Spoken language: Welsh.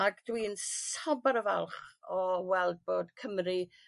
Ag dwi'n sobor o falch o weld bod Cymru